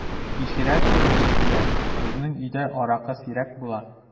Кичерә күр, Зөлфия, безнең өйдә аракы сирәк була...